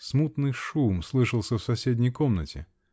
Смутный шум слышался в соседней комнате.